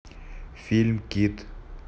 фильм кит